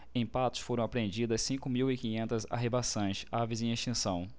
em patos foram apreendidas cinco mil e quinhentas arribaçãs aves em extinção